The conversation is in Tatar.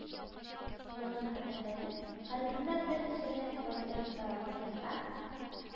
Лыгын хатерләтеп, харбинда бер рисалә бастырып таратты һәм